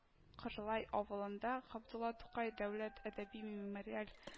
Кырлай авылында Габдулла Тукай дәүләт әдәби-мемориаль